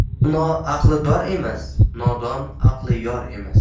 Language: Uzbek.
dono aqli dor emas nodon aqli yor emas